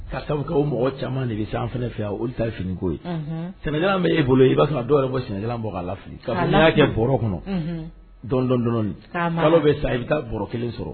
Ka ka mɔgɔ caman de bɛ se an fana fɛ yan olu ta fini ko ye sami bɛ ee bolo i b'a dɔw yɛrɛ sɛnɛ bɔ k' la fili y'a kɛ b kɔnɔ dɔndɔɔni balo bɛ sa i bɛ taa baro kelen sɔrɔ